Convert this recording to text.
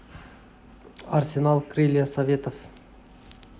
арсенал крылья советов